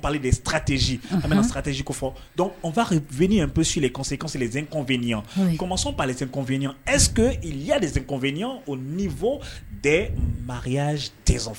paale de saratez a s sagatezko fɔfa2ipsisee kɔn2i kɔmɔsɔnse2iɔn esseke la deseɔn2i o nin fɔ de mariaya tɛ fɔ